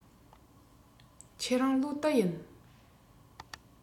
ཁྱེད རང ལོ དུ ཡིན